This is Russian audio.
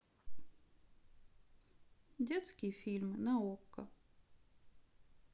детские фильмы на окко